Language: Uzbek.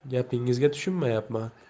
gapingizg tushunmayapman